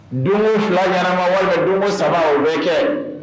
Don fila ɲɛnama walima don saba o bɛ kɛ